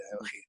Da iawn chi.